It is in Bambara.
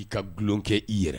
I ka gulon kɛ i yɛrɛ la.